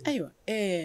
Ayiwa ɛɛ